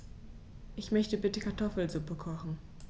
Ich möchte bitte Kartoffelsuppe kochen.